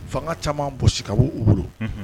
Fanga caman gosi ka wu olu bolo